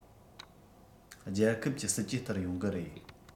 རྒྱལ ཁབ ཀྱི སྲིད ཇུས ལྟར ཡོང གི རེད